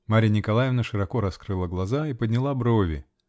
Марья Николаевна широко раскрыла глаза и подняла брови.